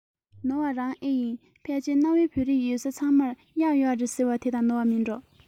ནོར བ རང ད ཨེ ཡིན ཕལ ཆེར གནའ བོའི བོད རིགས ཡོད ས ཚང མར གཡག ཡོད རེད ཟེར བ དེ དང ནོར བ མིན འགྲོ